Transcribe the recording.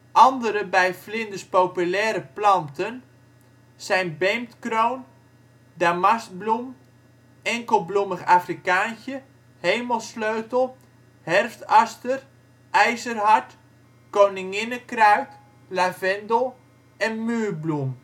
Andere bij vlinders populaire planten zijn beemdkroon, damastbloem, enkelbloemig afrikaantje, hemelsleutel, herfstaster, ijzerhard, koninginnenkruid, lavendel en muurbloem